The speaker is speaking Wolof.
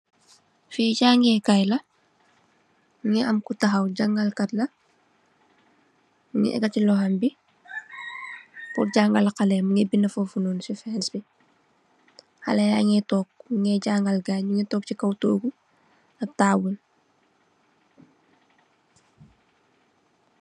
Fii jangeh kayla mungi am ku tahaw jangale katla mungi ekatti lohombi bi purr jangal xalehyi mungi binda fofnonu si fenabi xaleh yange tok munge jangale ganyi nyingi tok si kaw togu ak tabule.